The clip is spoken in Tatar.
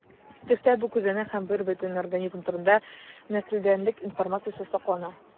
Төштә бу күзәнәк һәм бербөтен организм турында нәселдәнлек информациясе саклана.